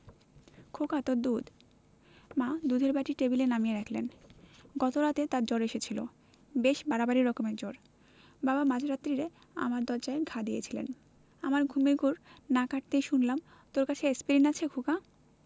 খোকা তোর দুধ মা দুধের বাটি টেবিলে নামিয়ে রাখলেন কাল রাতে তার জ্বর এসেছিল বেশ বাড়াবাড়ি রকমের জ্বর বাবা মাঝ রাত্তিরে আমার দরজায় ঘা দিয়েছিলেন আমার ঘুমের ঘোর না কাটতেই শুনলাম তোর কাছে এ্যাসপিরিন আছে খোকা